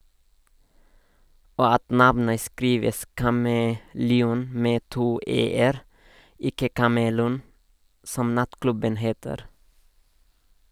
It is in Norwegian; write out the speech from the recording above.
Og at navnet skrives kameleon - med to e-er - ikke "Kamelon", som nattklubben heter.